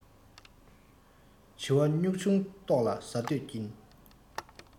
བྱི བ སྨྱུག ཆུང ལྟོགས ལ ཟ འདོད ཀྱིས